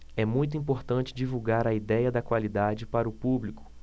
é muito importante divulgar a idéia da qualidade para o público